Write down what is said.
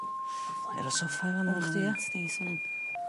Rhoi ar y soff y' fanna efo chdi ia?